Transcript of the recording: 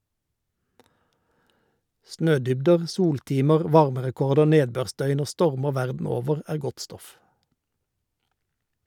Snødybder, soltimer, varmerekorder, nedbørsdøgn og stormer verden over er godt stoff.